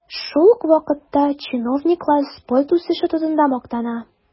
Шул ук вакытта чиновниклар спорт үсеше турында мактана.